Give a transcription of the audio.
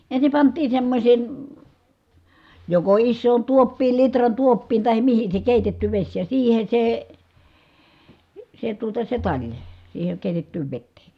ensin pantiin semmoiseen joko isoon tuoppiin litran tuoppiin tai mihin se keitetty vesi ja siihen se se tuota se tali siihen keitettyyn veteen